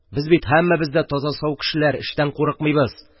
Без бит барыбыз да сау-таза кешеләр, эштән курыкмыйбыз.